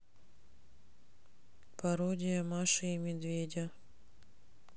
пародия маши и медведя